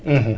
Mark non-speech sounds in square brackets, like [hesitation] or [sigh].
[hesitation] [hesitation]